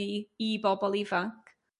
i i bobol ifanc.